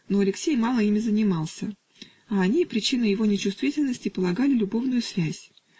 но Алексей мало ими занимался, а они причиной его нечувствительности полагали любовную связь.